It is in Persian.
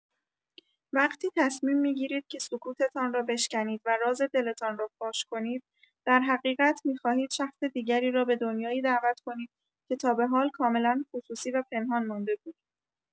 وقتی تصمیم می‌گیرید که سکوتتان را بشکنید و راز دلتان را فاش کنید، درحقیقت می‌خواهید شخص دیگری را به دنیایی دعوت کنید که تابه‌حال کاملا خصوصی و پنهان مانده بود.